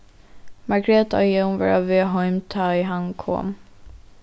margreta og jón vóru á veg heim tá ið hann kom